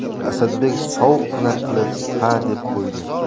asadbek sovuqqina qilib ha deb qo'ydi